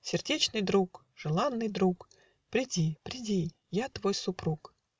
Сердечный друг, желанный друг, Приди, приди: я твой супруг!.